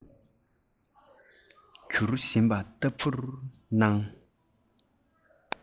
འགྱུར བཞིན པ ལྟ བུར སྣང